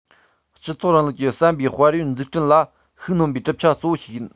སྤྱི ཚོགས རིང ལུགས ཀྱི བསམ པའི དཔལ ཡོན འཛུགས སྐྲུན ལ ཤུགས སྣོན པའི གྲུབ ཆ གཙོ བོ ཞིག ཡིན